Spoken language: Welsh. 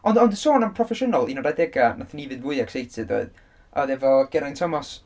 Ond, ond, sôn am proffesiynol, un o'r adega wnaethon ni fynd fwya excited oedd, oedd efo Geraint Thomas.